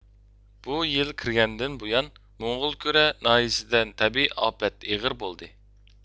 بۇ يىل كىرگەندىن بۇيان موڭغۇلكۈرە ناھىيىسىدە تەبىئىي ئاپەت ئېغىر بولدى